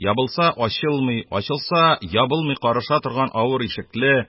Ябылса - ачылмый, ачылса - ябылмый карыша торган авыр ишекле,